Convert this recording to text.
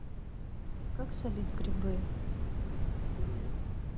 как солить грибы